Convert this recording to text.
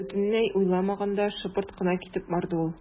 Бөтенләй уйламаганда шыпырт кына китеп барды ул.